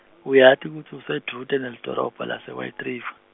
Uyati kutsi usedvute nelidolobha lase- White River?